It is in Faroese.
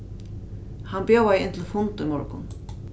hann bjóðaði inn til fund í morgun